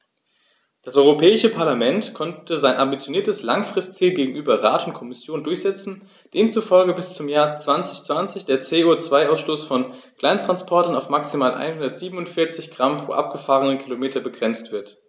Das Europäische Parlament konnte sein ambitioniertes Langfristziel gegenüber Rat und Kommission durchsetzen, demzufolge bis zum Jahr 2020 der CO2-Ausstoß von Kleinsttransportern auf maximal 147 Gramm pro gefahrenem Kilometer begrenzt wird.